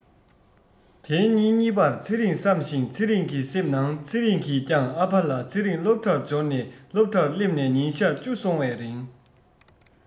དེའི ཉིན གཉིས པར ཚེ རིང བསམ ཚེ རང གི སེམས ནང ཚེ རིང གིས ཀྱང ཨ ཕ ལ ཚེ རིང སློབ གྲྭར འབྱོར ནས སློབ གྲྭར སླེབས ནས ཉིན གཞག བཅུ སོང བའི རིང